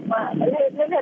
mà